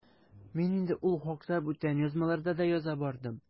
Мин инде ул хакта бүтән язмаларда яза да бардым.